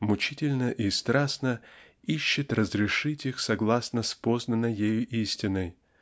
мучительно и страстно ищет разрешить их согласно с познанной ею истиной